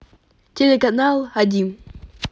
телеканал один